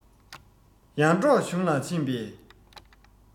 ཡར འབྲོག གཞུང ལ ཕྱིན པས